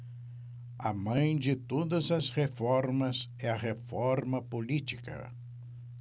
a mãe de todas as reformas é a reforma política